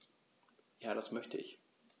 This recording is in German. Ja, das möchte ich.